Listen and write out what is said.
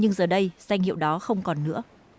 nhưng giờ đây danh hiệu đó không còn nữa